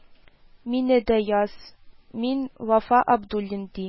Мине дә яз, мин Вафа Абдуллин, ди